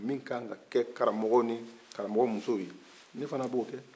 mun ka kan ka kɛ karamɔgɔ ni karamɔgɔ musow ne fana b'o kɛ